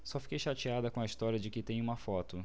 só fiquei chateada com a história de que tem uma foto